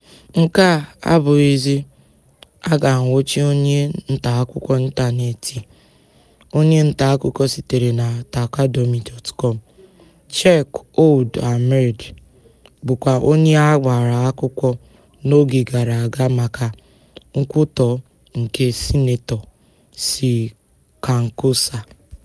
Nke a abụghị izizi a ga-anwụchi onye ntaakụkọ ịntaneetị, onye ntaakụkọ sitere na Taqadoumy.com, Cheikh Ould Ahmed, bụkwa onye a gbara akwụkwọ n'oge gara aga maka nkwutọ nke Sinetọ si Kankossa.